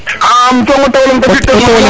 a im coxong o tewo leŋ te fi temoignage